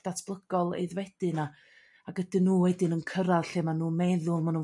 datblygol aeddfedu 'na ac ydyn nhw wedyn yn cyrradd lle mae nhw meddwl ma' nhw